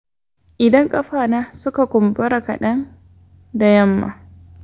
idan kafa na suna kumbura kaɗan da yamma.